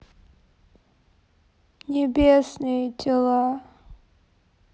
небесные тела